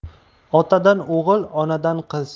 otadan o'g'il onadan qiz